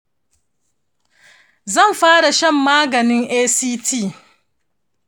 zan fara shan maganin act.